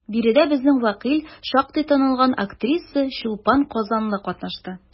Биредә безнең вәкил, шактый танылган актриса Чулпан Казанлы катнашты.